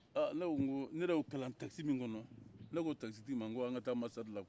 ne yɛrɛ y'o kalan takisi min kɔnɔ ne ko takisitigi ma ko an ka taa anbasadi lakuwa